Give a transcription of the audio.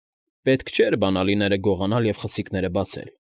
Պետք չէր բանալիները գողանալ և խցիկները բացել։